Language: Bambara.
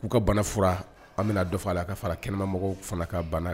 U K'u ka bana fura an bɛna dɔ fɔ a la a ka fara kɛnɛmamɔgɔw fana ka